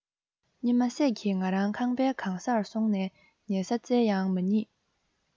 གཉིད མ སད ཀྱི ང རང ཁང པའི གང སར སོང ནས ཉལ ས བཙལ ཡང མ རྙེད